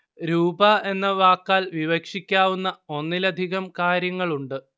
രൂപ എന്ന വാക്കാൽ വിവക്ഷിക്കാവുന്ന ഒന്നിലധികം കാര്യങ്ങളുണ്ട്